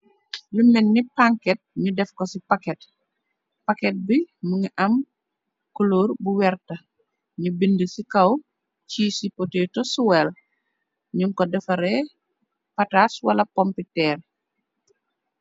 Lu menni panket ñu def ko ci paket, paket bi mu ngi am culoor bu verte. Ñu bindi ci kaw sweet potatoe suwel ñung ko defare patas wala pompiteer.